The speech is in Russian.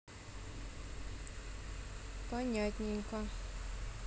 понятненько